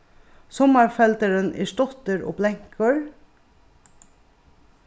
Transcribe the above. summarfeldurin er stuttur og blankur